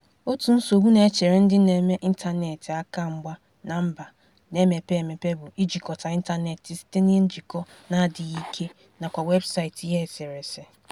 Otu nsogbu na-echere ndị na-eme ịntanetị aka mgba na mba na-emepe emepe bụ ijikọta ịntanetị site na njikọ na-adịghị ike nakwa website ihe eserese.